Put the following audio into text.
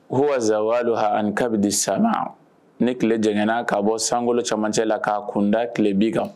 Walasa waadu h an kabidi san na ne tile jgɛnna k'a bɔ san golo camancɛ la k'a kunda tile bi kan